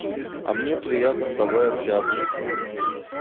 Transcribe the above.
а мне приятно с тобой общаться